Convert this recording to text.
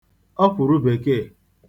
ọkwụ̀rụ bèkeè